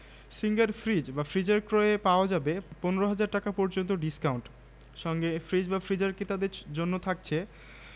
সংগৃহীত দৈনিক ইত্তেফাক ১০ই আশ্বিন ১৩৮৮ বঙ্গাব্দ